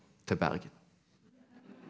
til Bergen.